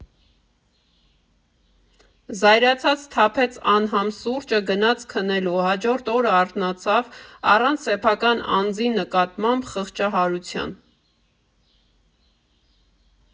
Զայրացած թափեց անհամ սուրճը, գնաց քնելու, հաջորդ օրը արթնացավ՝ առանց սեփական անձի նկատմամբ խղճահարության։